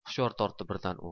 hushyor tortdi birdan u